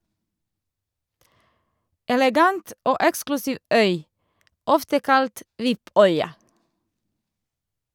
Elegant og eksklusiv øy, ofte kalt "VIP-øya".